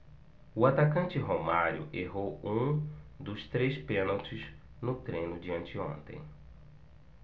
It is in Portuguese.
o atacante romário errou um dos três pênaltis no treino de anteontem